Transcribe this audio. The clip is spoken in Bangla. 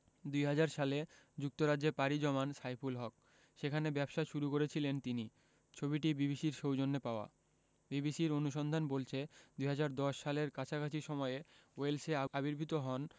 ২০০০ সালে যুক্তরাজ্যে পাড়ি জমান সাইফুল হক সেখানে ব্যবসা শুরু করেছিলেন তিনি ছবিটি বিবিসির সৌজন্যে পাওয়া বিবিসির অনুসন্ধান বলছে ২০১০ সালের কাছাকাছি সময়ে ওয়েলসে আবির্ভূত হন